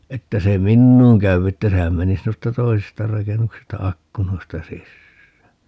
että se minuun käy että sehän menisi noista toisista rakennuksista ikkunoista sisään